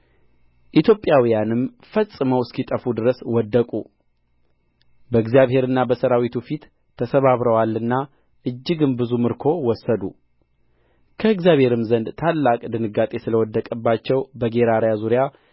ኢትዮጵያውያንም ፈጽመው እስኪጠፉ ድረስ ወደቁ በእግዚአብሔርና በሠራዊቱ ፊት ተሰባብረዋልና እጅግም ብዙ ምርኮ ወሰዱ ከእግዚአብሔርም ዘንድ ታላቅ ድንጋጤ ስለ ወደቀባቸው በጌራራ ዙሪያ